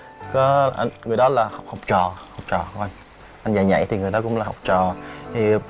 có người đó là học trò học trò của anh anh dạy nhảy thì người đó cũng là học trò thì